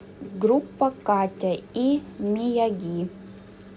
группа катя и miyagi